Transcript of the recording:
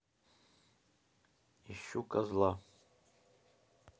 ищу козла